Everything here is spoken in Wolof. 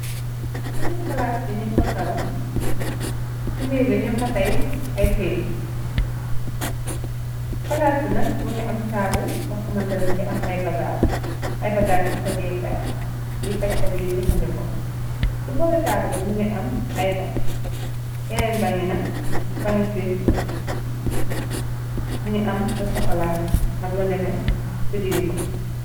Sibir palaas bi ñu fokaron dimir bi ñu fatay ay kayt palaas bi nag mu ngi am taaba ba xamantere mi ngi am ay bagaar ci fajeekaa yi fajkaruu yëfande ko di bori taaba bi ñu ngi am ay bank yeneen bangi nag bangi sritbor bi ngi am la sokola ak lu nefe ti digimi.